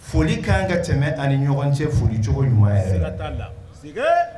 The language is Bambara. Foli ka kan ka tɛmɛ ani ni ɲɔgɔn cɛ foli cogo ɲuman ye